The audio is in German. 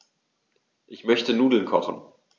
Ich möchte Nudeln kochen.